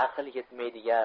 aql yetmaydigan